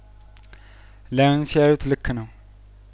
ላዩን ሲያዩት ልክ ነው